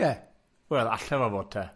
Wel, alle fo fod te.